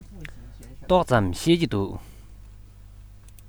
ཏོག ཙམ ཤེས ཀྱི འདུག